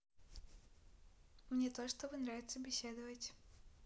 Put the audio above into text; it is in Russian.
мне тоже с тобой нравится беседовать